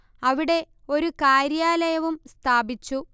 അവിടെ ഒരു കാര്യാലയവും സ്ഥാപിച്ചു